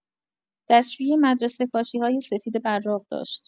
دستشویی مدرسه کاشی‌های سفید براق داشت.